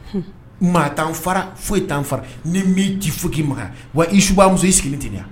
Maa tan fara foyi tan fara ni m'i ci foyi k' ma wa isuba' muso i sigilen tɛ